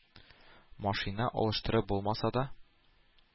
“машина алыштырып булмаса да,